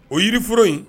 O yirioro in